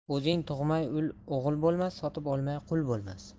o'zing tug'may ul o'g'il bo'lmas sotib olmay qui bo'lmas